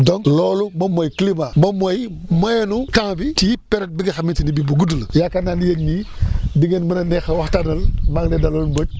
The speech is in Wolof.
donc loolu moom mooy climat :ra moom mooy moyen nu temps bi ci période bi nga xamante ni bii bu fudd la yaakaar naa ni yéen ñii di ngeen mën a neex a waxtaanal maa ngi lay dalal Mbodj